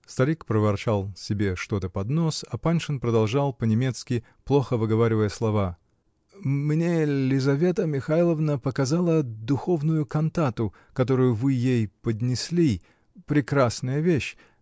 Старик проворчал себе что-то под нос, а Паншин продолжал по-немецки, плохо выговаривая слова: -- Мне Лизавета Михайловна показала духовную кантату, которую вы ей поднесли, -- прекрасная вещь!